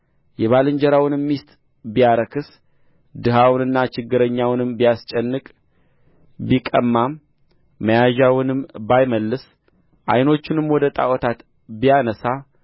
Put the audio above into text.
የባልንጀራውንም ሚስት ቢያረክስ ድሀውንና ችግረኛውንም ቢያስጨንቅ ቢቀማም መያዣውንም ባይመልስ ዓይኖቹንም ወደ ጣዖታት ቢያነሣ